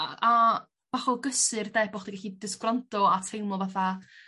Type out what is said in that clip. A a bach o gysur 'de bo' chdi gelli jys' gwrando a teimlo fatha